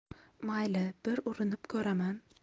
mayli bir urinib ko'raman